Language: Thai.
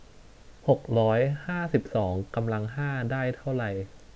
หกร้อยห้าสิบสองกำลังห้าได้เท่าไร